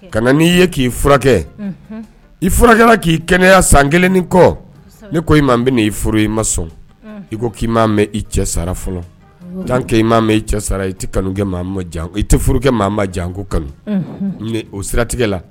Ka na n'i ye k'i furakɛ i furakɛla k'i kɛnɛyaya san kelen ni kɔ ne ko ma n bɛna i furu i ma sɔn i ko k'i mɛn i cɛ sara fɔlɔ'kɛ i ma mɛn i cɛ sara i tɛ kanukɛ i tɛ furukɛ mɔgɔ ma janko kanu mɛ o siratigɛ la